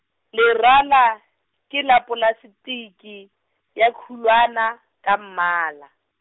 lerala, ke la plastiki, ya khulwana, ka mmala.